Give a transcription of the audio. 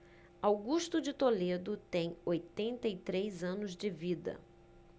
augusto de toledo tem oitenta e três anos de vida